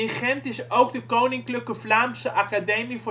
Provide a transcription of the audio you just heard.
Gent is ook de Koninklijke Vlaamse Academie